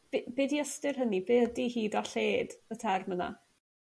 be' be' 'di ystyr hynny be' ydi hyd a lled y term yna?